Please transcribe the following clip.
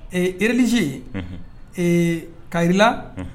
Ee religieux unhun ee k'a yir'i la unh